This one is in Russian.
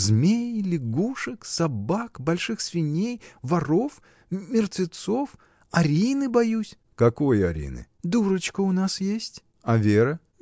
змей, лягушек, собак, больших свиней, воров, мертвецов. Арины боюсь. — Какой Арины? — Дурочка у нас есть. — А Вера?